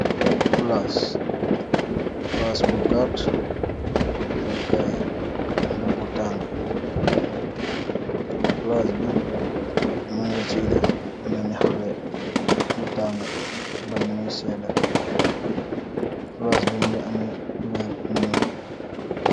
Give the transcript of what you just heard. flas bu gaat defakaay ndox bu tang flaas bi mun nga ci def ñyami xale bu tànga beyn muy seeda flas bi mungi amee kulorr bu ñyul